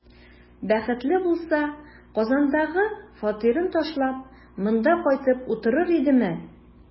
Бәхетле булса, Казандагы фатирын ташлап, монда кайтып утырыр идеме?